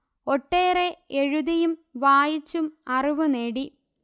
ഒട്ടേറെ എഴുതിയും വായിച്ചും അറിവ് നേടി